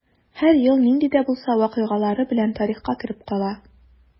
Һәр ел нинди дә булса вакыйгалары белән тарихка кереп кала.